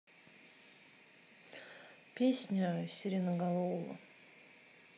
песня сиреноголового